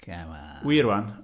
Come on... wir rŵan!